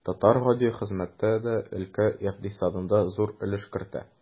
Татар гади хезмәттә дә өлкә икътисадына зур өлеш кертә.